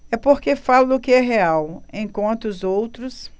é porque falo do que é real enquanto os outros